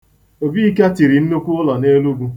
Obika tiri nnukwu ụlọ n'Enugwu.